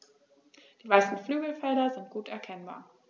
Die weißen Flügelfelder sind gut erkennbar.